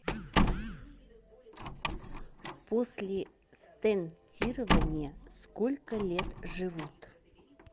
после стентирования сколько лет живут